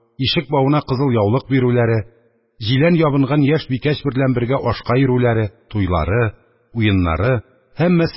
Ишек бавына кызыл яулык бирүләре, җилән ябынган яшь бикәч берлән бергә ашка йөрүләре, туйлары, уеннары – һәммәсе